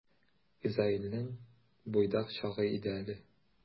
Изаилнең буйдак чагы иде әле.